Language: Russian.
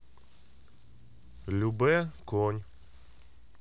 любэ конь